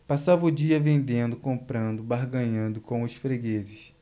passava o dia vendendo comprando barganhando com os fregueses